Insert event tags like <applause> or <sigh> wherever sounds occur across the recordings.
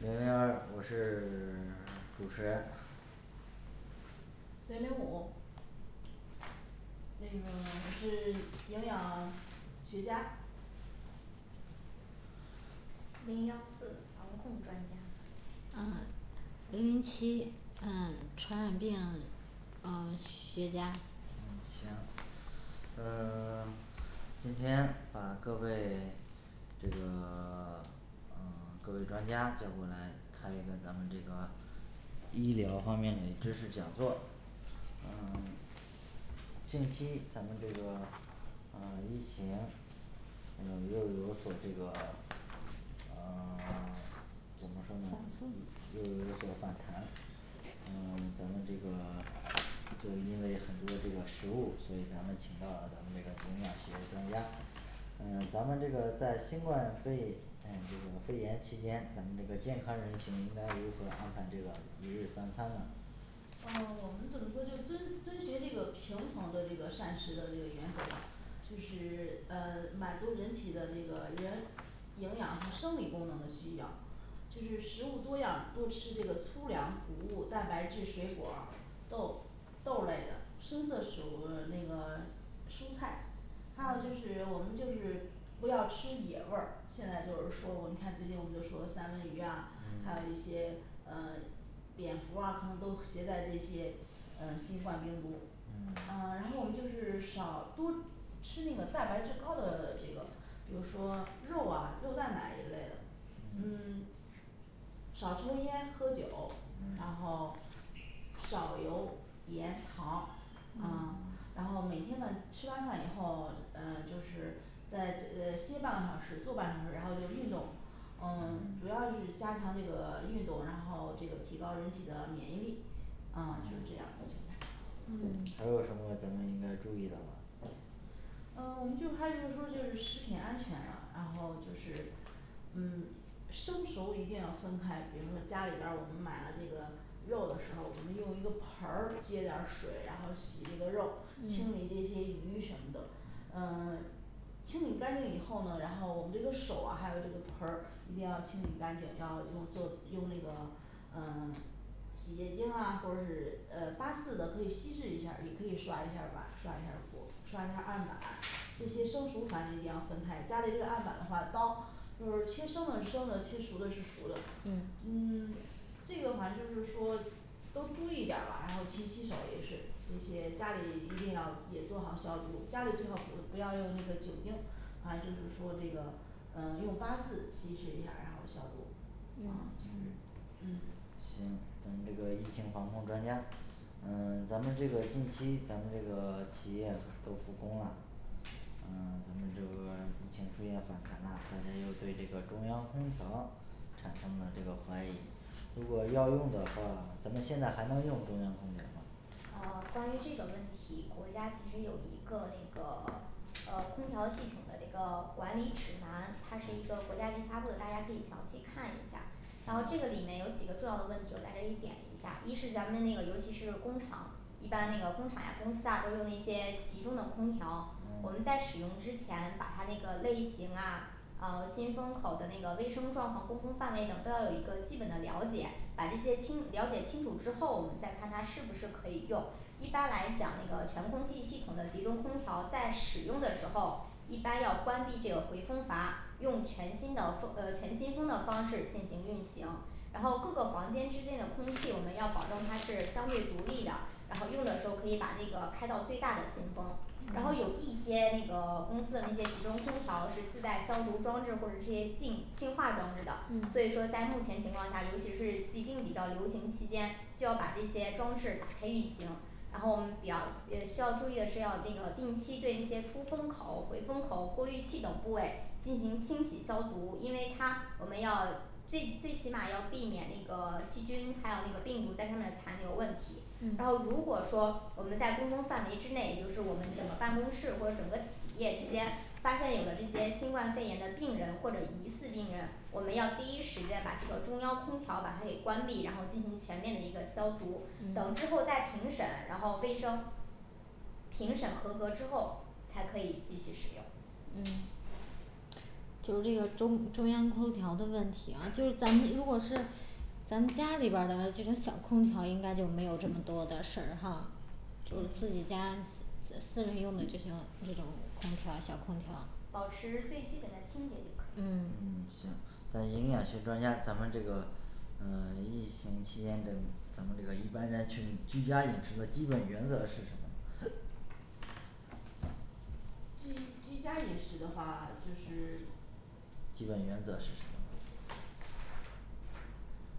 零零二我是 <silence> 主持人零零五那个 <silence> 是 <silence> 营养 <silence> 学家零幺四防控专家啊零零七嗯传染病哦学家。行呃 <silence> 今天把各位这个 <silence> 嗯各位专家叫过来开一个咱们这个医疗方面的知识讲座，呃近期咱们这个呃疫情嗯又有所这个呃 <silence> 怎么说反呢复又有所反弹，呃咱们这个就因为很多这个食物，所以咱们请到了咱们这个营养学专家嗯咱们这个在新冠肺嗯这个肺炎期间，咱们这个健康人群应该如何安排这个一日三餐呢呃我们怎么说就遵遵循这个平衡的这个膳食的这个原则吧就是嗯满足人体的这个人营养和生理功能的需要就是食物多样，多吃这个粗粮、谷物、蛋白质、水果儿、豆豆类的深色食物呃那个蔬菜，还有就是我们就是不要吃野味儿，现在就是说我们看最近我们就说三文鱼啊，还嗯有一些呃蝙蝠啊可能都携带这些呃新冠病毒，啊然后我们就是少多吃那个蛋白质高的这个比如说肉啊肉蛋奶一类的，嗯少抽烟、喝酒，然后少油、盐、糖嗯然后每天的吃完饭以后，呃就是再呃歇半个小时坐半个小时然后就运动嗯主要是加强这个运动，然后这个提高人体的免疫力，啊就是这样的嗯还有什么咱们应该注意的吗嗯我们就还有一个说食品安全了，然后就是嗯生熟一定要分开，比如说家里边儿我们买了这个肉的时候，我们用一个盆儿接点水，然后洗这个肉清理这些嗯鱼什么的嗯 <silence> 清理干净以后呢，然后我们这个手啊还有这个盆儿，一定要清理干净，要用做用那个呃洗洁精啊或者是呃八四的可以稀释一下儿，也可以刷一下儿碗，刷一下儿锅，刷一下儿案板。这些生熟反正一定要分开，家里那个案板的话刀就是切生是生的，切熟的是熟的嗯嗯 <silence> 这个好像就是说都注意点儿吧，然后勤洗手也是这些，家里一定要也做好消毒，家里最好不不要用那个酒精，好像就是说这个用八四稀释一下儿，然后消毒。呃就是嗯行，咱们这个疫情防控专家呃咱们这个近期咱们这个企业都复工啦嗯咱们就是说疫情出现反弹啦，大家又对这个中央空调产生了这个怀疑，如果要用的话，咱们现在还能用中央空调吗？呃关于这个问题，国家其实有一个那个呃空调系统的这个管理指南，它是一个国家级发布的，大家可以详细看一下，然后这个里面有几个重要的问题我在这里点一下，一是咱们那个尤其是工厂一般那个工厂啊公司啊都用那些集中的空调，我们在使用之前把它那个类型啊啊新风口的那个卫生状况，工程范围等都要有一个基本的了解把这些清了解清楚之后，我们再看它是不是可以用，一般来讲那个全空气系统的集中空调在使用的时候一般要关闭这个回风阀，用全新的风呃全新风的方式进行运行然后各个房间之间的空气我们要保证它是相对独立的，然后用的时候可以把那个开到最大的新风然后有一些那个公司的那些集中空调是自带消毒装置或者是些净净化装置的，所以说在目前情况下，尤其是疾病比较流行期间需要把这些装置打开运行，然后我们比较需要注意的是要那个定期对那些出风口回风口过滤器等部位进行清洗消毒，因为它我们要最最起码要避免那个细菌还有那个病毒在上面残留问题然后如果嗯说我们在工作范围之内，也就是我们整个办公室或者整个企业之间发现有了这些新冠肺炎的病人或者疑似病人，我们要第一时间把这个中央空调把它给关闭，然后进行全面的一个消毒，等之后再嗯评审，然后卫生评审合格之后才可以继续使用嗯就是这个中中央空调的问题啊，就咱们如果是咱们家里边儿的这种小空调，应该就没有这么多的事儿哈就是自己家私人用的这种那种空调小空调，保持最基本的清洁就可以嗯嗯了行咱营养学专家咱们这个呃疫情期间的咱们这个一般人群居家饮食的基本原则是什么居居家饮食的话就是基本原则是什么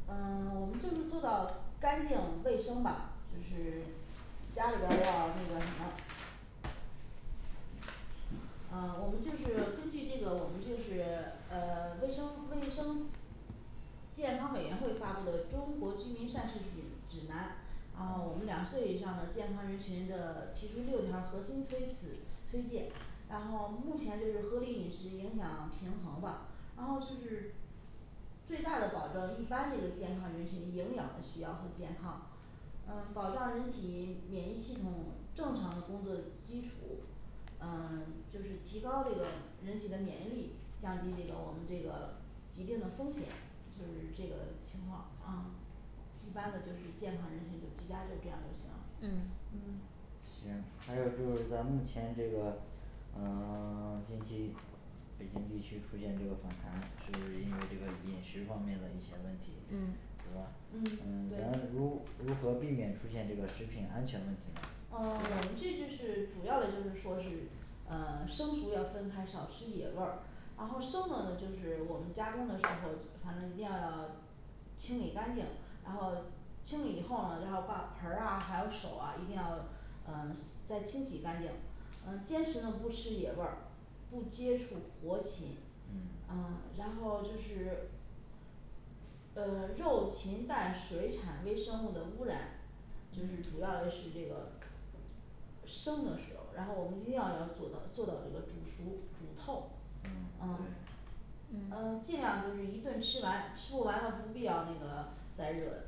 呃我们就是做到干净卫生吧就是 <silence> 家里边要那个什么呃我们就是根据这个我们就是呃卫生卫生健康委员会发布的中国居民膳食指指南然后我们两岁以上的健康人群的提出六条儿核心推辞推荐，然后目前就是合理饮食影响平衡吧然后就是最大的保证一般这个健康人群营养的需要和健康啊保障人体免疫系统正常的工作基础，呃就是提高这个人体的免疫力，降低这个我们这个疾病的风险，就是这个情况啊一般的就是健康人群就居家就这样就行了，嗯嗯行，还有就是在目前这个呃 <silence> 近期北京地区出现这个反弹，是因为这个饮食方面的一些问题嗯是吧？嗯嗯咱对如如何避免出现这个食品安全问题呢啊我们这就是主要的就是说是嗯生熟要分开，少吃野味儿，然后生了的就是我们加工的时候，反正一定要清理干净，然后清理以后，然后把盆儿啊还有手啊一定要嗯在清洗干净嗯坚持呢不吃野味，不接触活禽，嗯然后就是呃肉禽蛋、水产微生物的污染，就是主要是这个生的时候，然后我们一定要要做到做到这个煮熟煮透嗯啊对呃尽量就是一顿吃完，吃不完了不必要那个再热，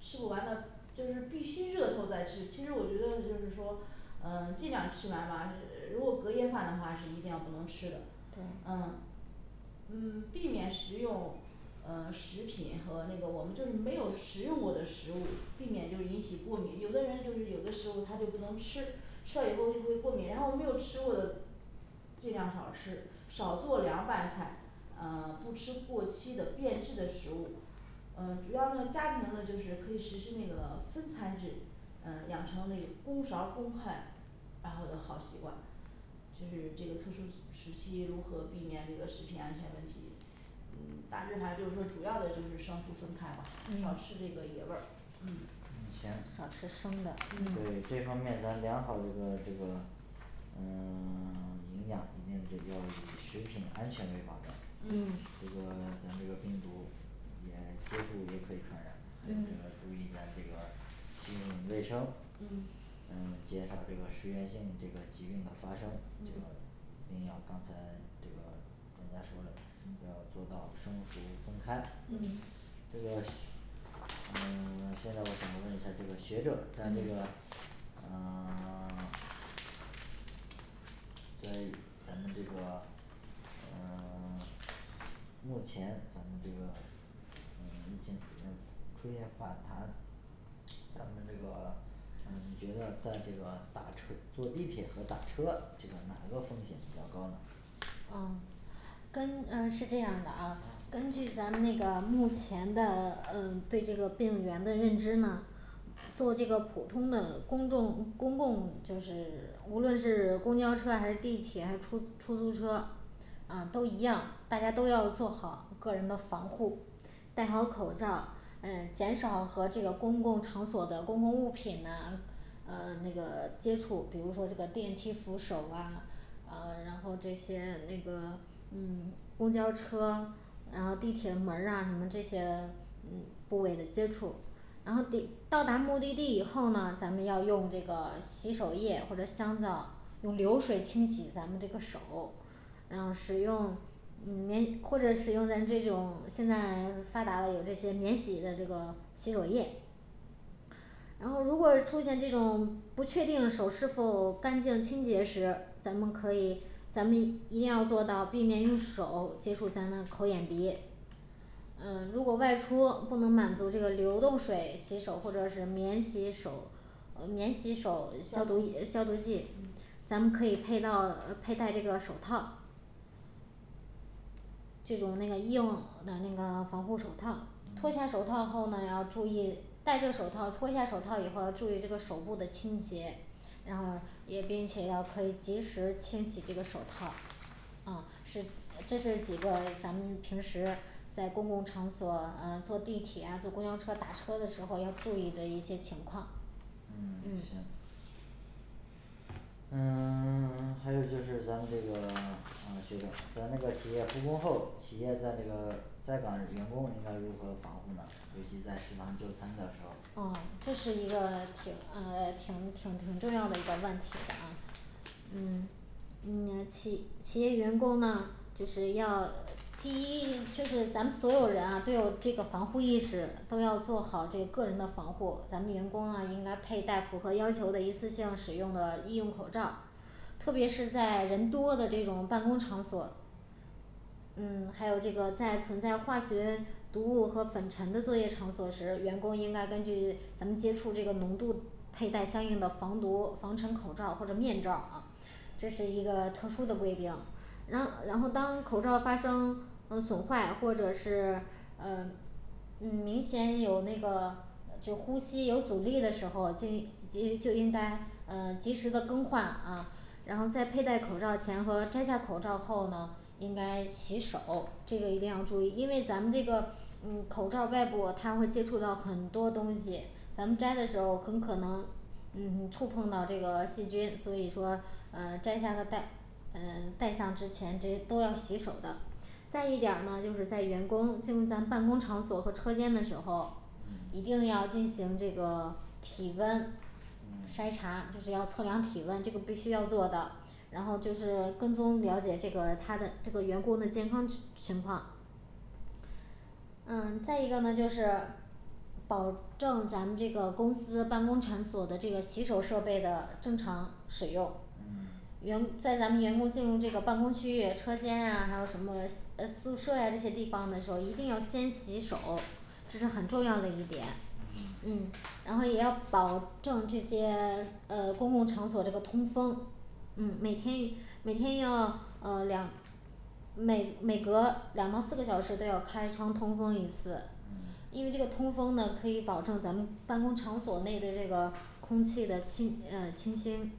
吃不完的就是必须热透再吃其实我觉得就是说呃尽量吃完吧是是 <unintelligible> 如果隔夜饭的话是一定要不能吃的呃嗯避免食用呃食品和那个我们没有食用过的食物避免引起过敏，有的人有的时候他就不能吃吃了以后就会过敏，然后我没有吃过的，尽量少吃少做凉拌菜，呃不吃过期的变质的食物。呃主要那个家庭呢就是可以实施那个分餐制，嗯养成那公勺公筷，然后的好习惯，就是这个特殊时期如何避免这个食品安全问题，嗯大致上就是说主要的就是生熟分开嘛少吃这个野味儿嗯嗯行少吃生的嗯对这方面要良好这个这个嗯 <silence> 营养里面就要以食品安全为保障，嗯那个咱那个病毒也接触也可以传染，那个嗯注意一下那个嗯卫生嗯嗯减少这个食源性这个疾病的发生行吧嗯一定要刚才这个专家说了，一定要做到生熟分开，嗯那个嗯 <silence> 现在我想问一下这个学者在那个啊 <silence> 所以咱们这个呃 <silence> 目前咱们这个呃目前疫情出现反弹，咱们这个你觉得在这个打车坐地铁和打车这个哪个风险比较高呢嗯跟嗯是这样的啊，根据咱们那个目前的呃对这个病原的认知呢做这个普通的公众公共，就是无论是公交车还是地铁还是出出租车啊都一样大家都要做好个人的防护，戴好口罩啊减少和这个公共场所的公共物品呐啊那个接触，比如说这个电梯扶手啊，啊然后这些那个嗯公交车然后地铁门儿啊什么这些嗯部位的接触，然后给到达目的地以后呢，咱们要用这个洗手液或者香皂用流水清洗咱们这个手然后使用免或者使用咱这种现在发达的有这些免洗的这个洗手液然后如果出现这种不确定手是否干净清洁时，咱们可以咱们一定要做到避免用手接触咱那个口眼鼻嗯如果外出不能满足这个流动水洗手或者是免洗手呃免洗手、消毒液呃消毒剂嗯咱们可以配套配戴这个手套这种那个硬的那个防护手套脱下手套后呢要注意戴着手套，脱下手套以后要注意这个手部的清洁然后也并且要可以及时清洗这个手套。啊是这是几个咱们平时在公共场所呃坐地铁啊坐公交车打车的时候要注意的一些情况嗯行嗯嗯 <silence> 还有就是咱们这个 <silence> 啊学者咱那个企业复工后，企业在那个在岗员工应该如何防护呢？尤其在食堂就餐的时候，呃这是一个挺呃挺挺挺重要的一个问题的啊。嗯今年企企业员工呢就是要第一就是咱们所有人啊都有这个防护意识，都要做好对个人的防护，咱们员工啊应该佩戴符合要求的一次性使用的医用口罩特别是在人多的这种办公场所嗯还有这个在存在化学毒物和粉尘的作业场所时，员工应该根据咱们接触这个浓度佩戴相应的防毒防尘口罩或者面罩啊这是一个特殊的规定，然然后当口罩发生呃损坏或者是呃嗯明显有那个就呼吸有阻力的时候，这呃就应该呃及时的更换啊然后在佩戴口罩前和摘下口罩后呢应该洗手这个一定要注意，因为咱们这个嗯口罩外部它会接触到很多东西，咱们摘的时候很可能嗯触碰到这个细菌所以说呃摘下和带嗯带上之前这些都要洗手的。再一点嘛就是在员工进入咱办公场所和车间的时候，一定要进行这个体温，筛查就是要测量体温这个必须要做的，然后就是跟踪了解这个他的这个员工的健康情指 <unintelligible> 情况嗯再一个那就是保证咱们这个公司办公场所的这个洗手设备的正常使用员在咱们员工进入这个办公区域，车间啊还有什么宿舍啊这些地方的时候一定要先洗手这是很重要的一点，嗯嗯然后也要保证这些嗯公共场所这个通风嗯每天每天要呃两每每隔两到四个小时都要开窗通风一次嗯因为这个通风呢可以保证咱们办公场所内的这个空气的清 <unintelligible> 清新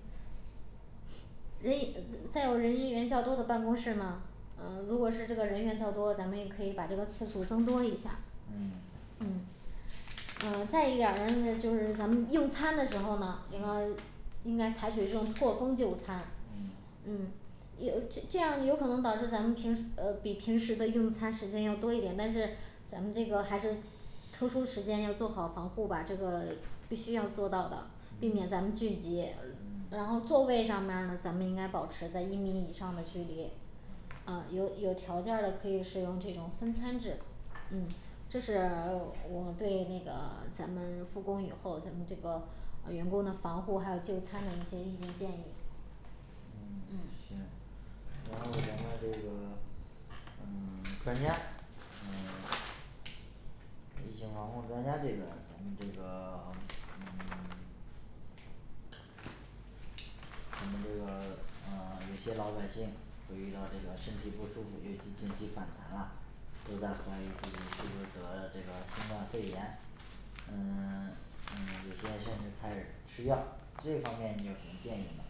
诶在有人员较多的办公室呢，呃如果是这个人员较多，咱们也可以把次数增多一下。嗯嗯呃再一点呢是就是咱们用餐的时候呢应该采取这种错峰就餐嗯嗯有这这样有可能导致咱们平呃比平时的用餐时间要多一点，但是咱们那个还是抽出时间要做好防护吧，这个必须要做到的避免咱们聚集然后座位上面呢咱们应该保持在一米以上的距离啊有有条件儿的可以使用这种分餐制嗯，这是我对那个咱们复工以后咱们这个啊员工的防护，还有就餐的一些意见建议嗯行然后我们这个嗯 <silence> 专家呃 <silence> 一些航空专家这个，咱们这个嗯 <silence> 咱们这个呃有些老百姓会遇到这个身体不舒服，尤其近期反弹啦都在怀疑自己是不是得了这个新冠肺炎，嗯 <silence> 嗯有些甚至开始吃药这方面你有什么建议呢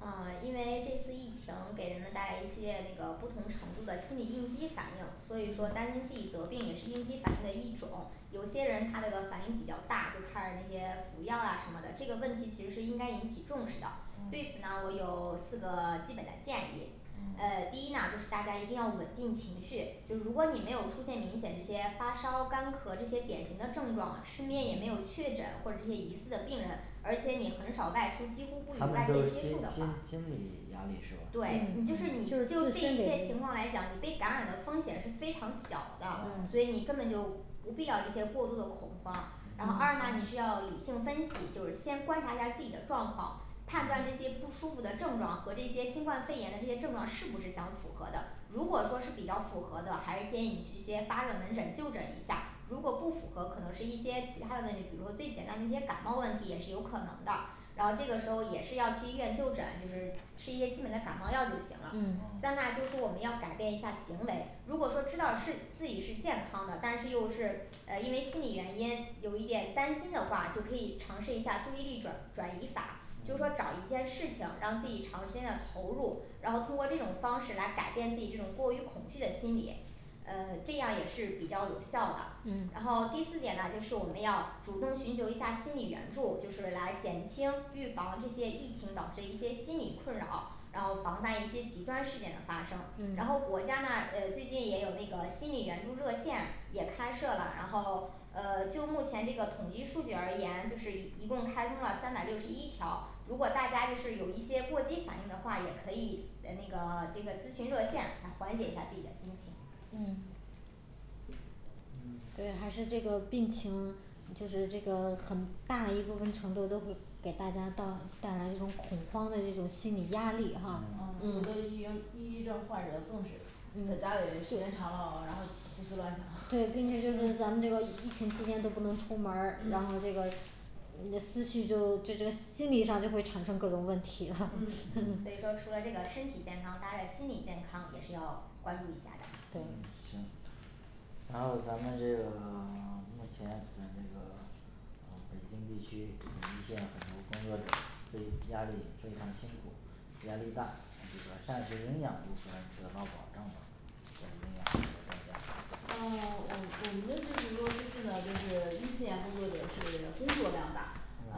呃因为这次疫情给人们带来一系列那个不同程度的心理应激反应，所以说担心自己得病也是应激反应的一种有些人他那个反应比较大，就看那些补药啊什么的这个问题，其实是应该引起重视的。对此呢我有四个基本的建议，呃第一呢就是大家一定要稳定情绪，就是如果你没有出现明显这些发烧干咳这些典型的症状，身边也没有确诊或者这些疑似的病人而且你很少外出，几乎不他与外们就界是接心触的心话，心理压力是吧对你就就是是你就自这一身的切原因情况来讲嗯，你被感染的风险是非常小的，所以嗯你根本就不必要这些过度的恐慌。然后二呢你是要理性分析，就是先观察一下自己的状况判断这些不舒服的症状和这些新冠肺炎的这些症状是不是相符合的如果说是比较符合的，还是建议去些发热门诊就诊一下，如果不符合可能是一些其他的问题，比如说最简单的一些感冒问题也是有可能的然后这个时候也是要去医院就诊，就是吃一些基本的感冒药就行了。 三嗯呐就是说我们要改变一下行为如果说知道是自己是健康的，但是又是呃因为心理原因有一点担心的话，就可以尝试一下注意力转转移法就是说找一件事情让自己长时间的投入然后通过这种方式来改变自己这种过于恐惧的心理嗯这样也是比较有效的。然嗯后第四点呐就是我们要主动寻求一下心理援助，就是来减轻预防这些疫情，导致一些心理困扰然后防范一些极端事件的发生嗯然后国家呢呃最近也有那个心理援助热线也开设了然后呃就目前这个统计数据而言，就是一一共开通了三百六十一条，如果大家就是有一些过激反应的话，也可以呃那个这个咨询热线来缓解一下自己的心情嗯嗯对，还是这个病情就是这个很大一部分程度都会给大家到带来一种恐慌的这种心理压力哈嗯有的抑应抑郁症患者更是在家里时间长了，然后胡思乱想对，并且就是咱们嗯这个疫情期间都不能出门儿，然后嗯这个那个思绪就就这心理上就会产生各种问题了嗯， <noise> 嗯所以说除了这个身体健康，大家的心理健康也是要关注一下的对行然后咱们这个 <silence> 目前咱这个呃北京地区一线很多工作者压力非常辛苦，压力大，这个膳食营养部分得到保障吗在营养嗯呢嗯我们的就是说最近的就是一线工作者是工作量大，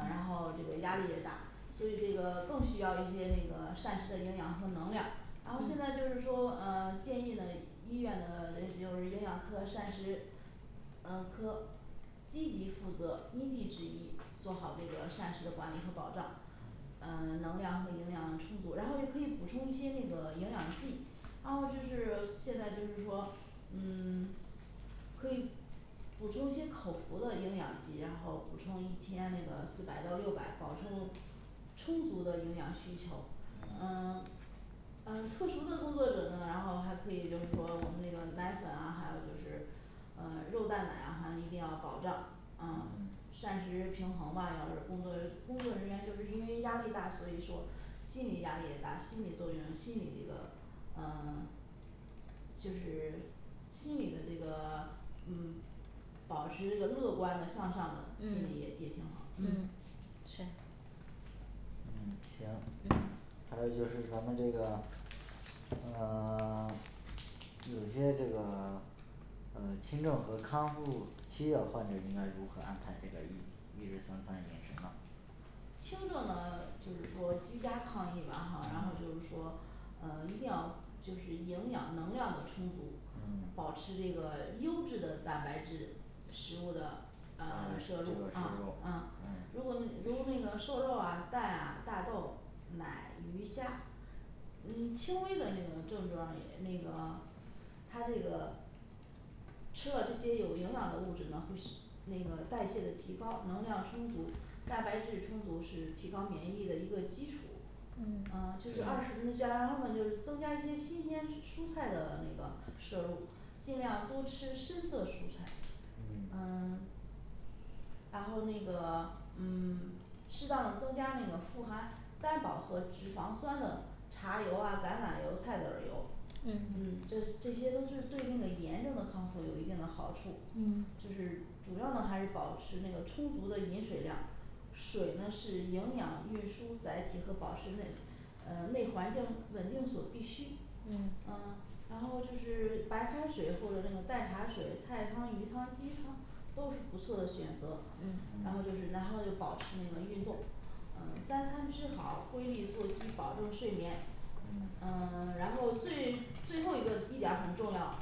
然后这个压力也大所以这个更需要一些那个膳食的营养和能量，然后现在就是说呃建议呢医院呢的就是营养科、膳食呃科积极负责，因地制宜，做好这个膳食管理和保障呃能量和营养充足，然后就可以补充一些那个营养剂，然后就是现在就是说嗯 <silence> 可以补充一些口服的营养剂，然后补充一天那个四百到六百保证充足的营养需求嗯 <silence> 呃特殊的工作者呢然后还可以就是说我们那个奶粉啊还有就是呃肉蛋奶啊还一定要保障啊膳食平衡吧，要是工作工作人员就是因为压力大，所以说心理压力也大，心理作用心理这个呃 <silence> 就是心理的这个嗯保持这个乐观的向上的，心理嗯也挺好。嗯嗯是嗯行。&嗯&还有就是咱们这个呃 <silence> 有些这个呃轻症和康复期的患者应该如何安排这个一一日三餐的饮食呢轻症呢就是说居家抗疫吧哈，然后就是说呃一定要就是营养能量的充足嗯保持这个优质的蛋白质，食物的啊啊这个摄摄入入啊啊，嗯如果如那个瘦肉啊、蛋啊、大豆、奶、鱼虾嗯轻微的那个症状也那个他这个吃了这些有营养的物质呢，会使那个代谢的提高，能量充足，蛋白质充足是提高免疫力的一个基础。嗯呃就是二十那胶然后呢就是增加一些新鲜蔬菜的那个摄入，尽量多吃深色蔬菜嗯 <silence> 然后那个嗯适当地增加那个富含单饱和脂肪酸的茶油啊、橄榄油、菜籽儿油嗯嗯这这些都是对那个炎症的康复有一定的好处嗯。就是主要呢还是保持那个充足的饮水量，水呢是营养运输载体和保湿内呃内环境稳定所必须，呃然后就是白开水或者那个淡茶水、菜汤、鱼汤、鸡汤都是不错的选择嗯然后就是然后保持那个运动，嗯三餐之好规律作息，保证睡眠。呃 <silence> 然后最最后一个一点儿很重要，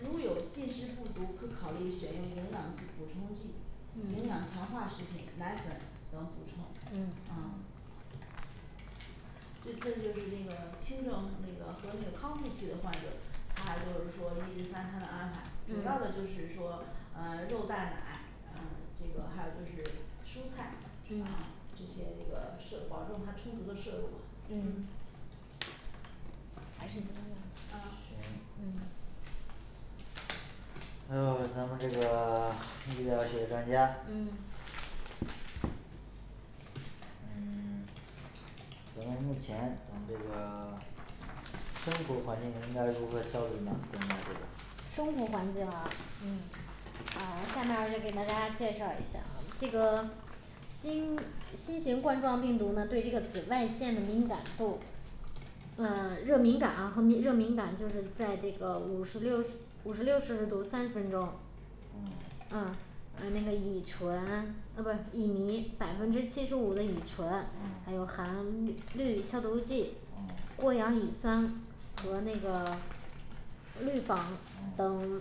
如有进食不足，可考虑选用营养剂补充剂，营嗯养强化食品奶粉等补充嗯啊这就是那个轻症和那个康复期的患者他就是说一日三餐的安排，主要的就是说呃肉、蛋、奶呃这个还有就是蔬菜，啊这些那个摄保证它充足的摄入嗯嗯还是一个样啊行嗯还有咱们这个 <silence> 医疗学专家嗯嗯 <silence> 可能目前咱这个 <silence> 生活环境应该如何消毒呢咱们这个生活环境啊。啊下面儿就给大家介绍一下啊这个新新型冠状病毒呢对这个紫外线的敏感度，呃热敏感啊热敏感就是在这个五十六五十六摄氏度三十分钟，嗯啊啊那个乙醇啊不是乙醚百分之七十五的乙醇嗯还有含氯消毒剂，嗯过氧乙酸和那个氯仿嗯等